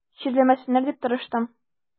Чирләмәсеннәр дип тырыштым.